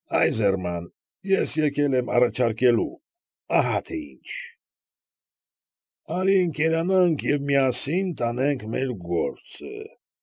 Այզելման, ես եկել եմ առաջարկելու ահա թե ինչ. արի ընկերանանք և միասին տանենք մեր գործը։